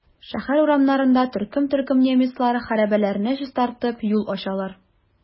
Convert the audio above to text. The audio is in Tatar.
Шәһәр урамнарында төркем-төркем немецлар хәрабәләрне чистартып, юл ачалар.